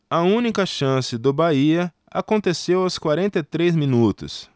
a única chance do bahia aconteceu aos quarenta e três minutos